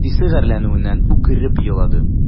Әтисе гарьләнүеннән үкереп елады.